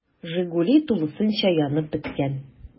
“жигули” тулысынча янып беткән.